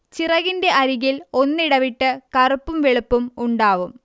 ചിറകിന്റെ അരികിൽ ഒന്നിടവിട്ട് കറുപ്പും വെളുപ്പും ഉണ്ടാവും